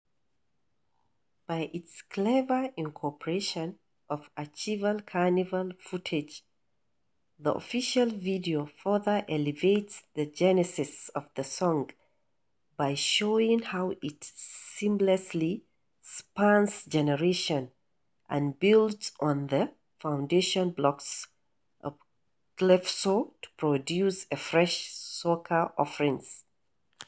By its clever incorporation of archival Carnival footage, the official video further elevates the genius of the song by showing how it seamlessly spans generations and builds on the foundation blocks of calypso to produce a fresh soca offering.